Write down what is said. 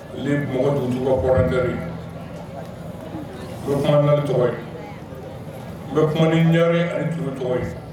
mɔgɔ don cogo bɔra n da de, n bɛ kuma ni Ala tɔgɔ ye, n bɛ ni Ɲare ani Ture tɔgɔ ye